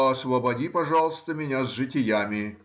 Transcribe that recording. — Поосвободи, пожалуйста, меня с житиями